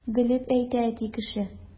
Белеп әйтә әти кеше!